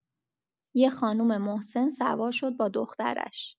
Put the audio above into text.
یه خانم مسن سوار شد با دخترش.